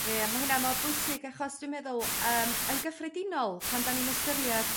Ie ma' hyna mor bwysig achos dwi'n meddwl yym yn gyffredinol pan 'dan ni'n ystyriad